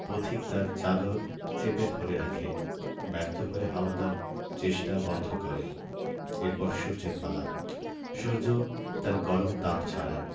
পথিক তার চাদর চেপে ধরে রাখে ব্যর্থ হয়ে হাওয়া তার চেষ্টা বন্ধ করে এর পর সূর্যের পালা সূর্য তার গরম তাপ ছড়ায়